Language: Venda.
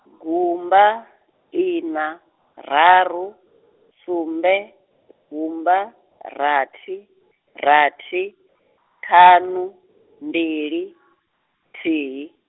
gumba, ina, raru, sumbe, gumba, rathi, rathi, ṱhanu, mbili , thihi.